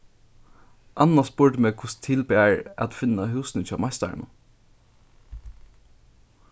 anna spurdi meg hvussu til bar at finna húsini hjá meistaranum